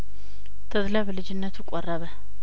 ተድላ በልጅነቱ ቆረበ